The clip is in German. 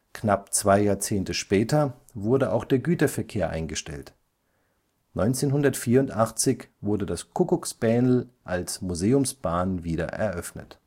Knapp zwei Jahrzehnte später wurde auch der Güterverkehr eingestellt. 1984 wurde das Kuckucksbähnel als Museumsbahn wieder eröffnet